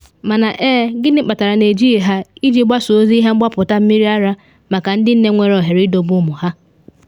Mana ee gịnị kpatara na ejighi ha iji gbasaa ozi ihe mgbapụta mmiri ara maka ndị nne nwere ohere idowe ụmụ ha?”